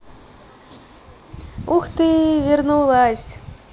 ух ты вернулась